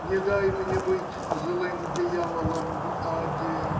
не дай мне быть злым дьяволом в аде